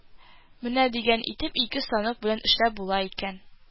Менә дигән итеп ике станок белән эшләп була икән